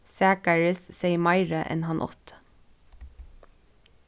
zakaris segði meira enn hann átti